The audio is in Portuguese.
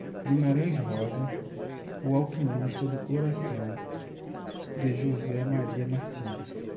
guimarães rosa o alquimista do coração de josé maria martins